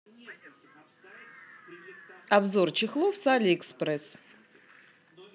обзор чехлов с алиэкспресс